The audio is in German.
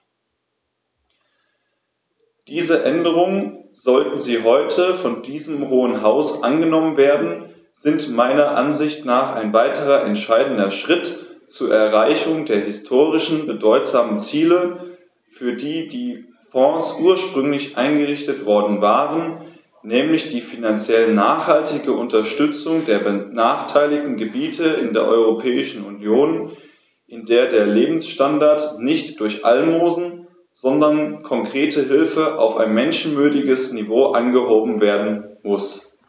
Diese Änderungen, sollten sie heute von diesem Hohen Haus angenommen werden, sind meiner Ansicht nach ein weiterer entscheidender Schritt zur Erreichung der historisch bedeutsamen Ziele, für die die Fonds ursprünglich eingerichtet worden waren, nämlich die finanziell nachhaltige Unterstützung der benachteiligten Gebiete in der Europäischen Union, in der der Lebensstandard nicht durch Almosen, sondern konkrete Hilfe auf ein menschenwürdiges Niveau angehoben werden muss.